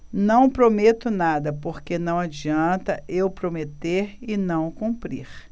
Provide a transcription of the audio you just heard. não prometo nada porque não adianta eu prometer e não cumprir